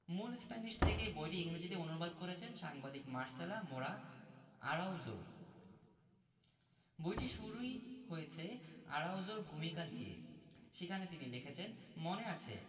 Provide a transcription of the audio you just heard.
মূল স্প্যানিশ থেকে বইটি ইংরেজিতে অনু্বাদ করেছেন সাংবাদিক মার্সেলা মোরা আরাউজো বইটি শুরুই হয়েছে আরাউজোর ভূমিকা দিয়ে সেখানে তিনি লিখেছেন মনে আছে